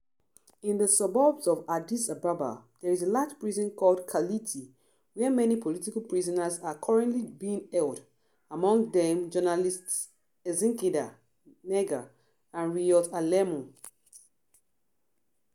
In the suburbs of Addis Ababa, there is a large prison called Kality where many political prisoners are currently being held, among them journalists Eskinder Nega and Reeyot Alemu.